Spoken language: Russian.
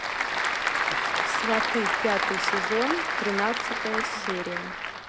сваты пятый сезон тринадцатая серия